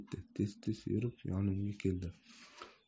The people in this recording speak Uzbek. tez tez yurib yonimga keldi